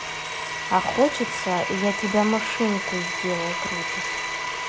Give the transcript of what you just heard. а хочется я тебя машинку сделай крутишь